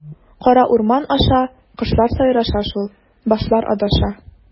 Кара урман аша, кошлар сайраша шул, башлар адаша.